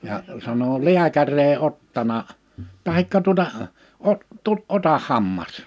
ja sanoi lääkäri ei ottanut tai tuota -- ota hammas